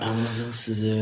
A ma' nw'n sensitif.